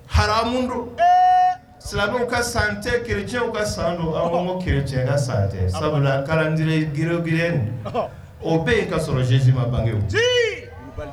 Hamu don silamɛdon ka sancɛ kerecɛw ka sandon aw b'an ko kirecɛ ka sancɛ kalanre g g o bɛ yen ka sɔrɔ zsiba bangeke ci